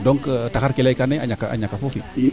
donc taxar ke leykaa ne a ñaka foofi